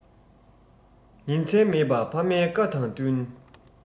ཉིན མཚན མེད པ ཕ མའི བཀའ དང བསྟུན